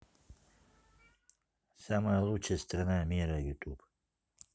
самая лучшая страна мира youtube